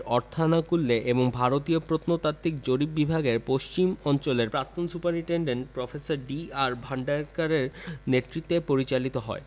অর্থানুকূল্যে এবং ভারতীয় প্রত্নতাত্ত্বিক জরিপ বিভাগের পশ্চিম অঞ্চলের প্রাক্তন সুপারিনটেনডেন্ট প্রফেসর ডি.আর ভান্ডারকরের নেতৃত্বে পরিচালিত হয়